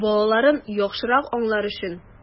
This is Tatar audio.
Балаларын яхшырак аңлар өчен!